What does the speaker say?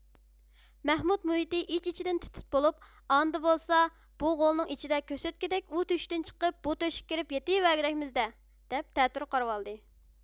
مەھمۇت مۇھىتى ئىچ ئىچىدىن تىت تىت بولۇپ ئاندا بولسا بۇ غولنىڭ ئىچىدە كۆسۆتكىدەك ئۇ تۆشۈكتىن چىقىپ بۇ تۆشۈككە كىرىپ يېتىۋەگۈدەكمىز دە دەپ تەتۈر قارىۋالدى